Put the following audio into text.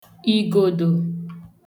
ìgòdò